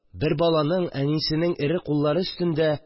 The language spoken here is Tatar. Бер баланың әнисенең эре куллары өстендә